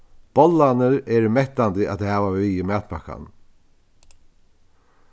bollarnir eru mettandi at hava við í matpakkanum